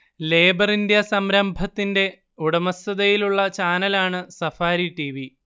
labour India സംരംഭത്തിന്റെ ഉടമസ്ഥതയിലുള്ള ചാനലാണ് സഫാരി ടിവി